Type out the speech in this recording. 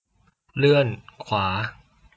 เลื่อนขวา